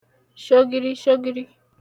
shogirishogiri